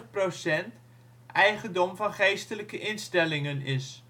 procent eigendom van geestelijke instellingen is